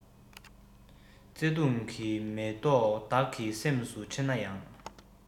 བརྩེ དུང གི མེ ཏོག བདག གི སེམས སུ འཁྲེན ན ཡང